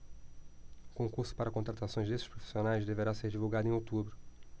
o concurso para contratação desses profissionais deverá ser divulgado em outubro